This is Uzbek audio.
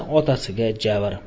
otasiga javr